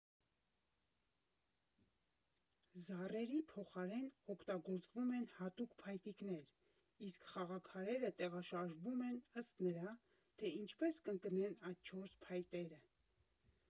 Զառերի փոխարեն օգտագործվում են հատուկ փայտիկներ, իսկ խաղաքարերը տեղաշարժվում են ըստ նրա, թե ինչպես կընկնեն այդ չորս փայտերը։